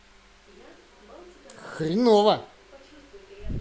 хренова